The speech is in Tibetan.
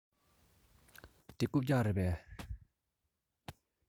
འདི རྐུབ བཀྱག རེད པས